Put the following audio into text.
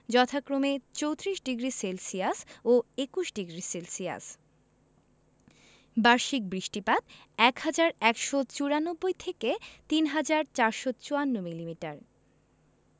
যথাক্রমে ৩৪ডিগ্রি সেলসিয়াস ও ২১ডিগ্রি সেলসিয়াস বার্ষিক বৃষ্টিপাত ১হাজার ১৯৪ থেকে ৩হাজার ৪৫৪ মিলিমিটার